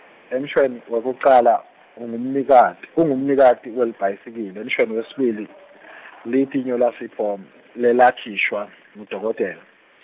emshweni wekucala ungumnikati, ungumnikati welibhayisikili, emshweni wesibili litinyo laSipho lelakhishwa ngudokodela.